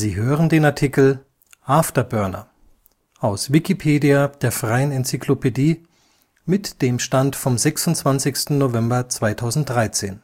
hören den Artikel After Burner, aus Wikipedia, der freien Enzyklopädie. Mit dem Stand vom Der